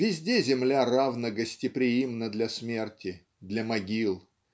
Везде земля равно гостеприимна для смерти для могил